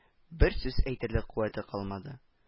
Бер сүз әйтерлек куәте калмады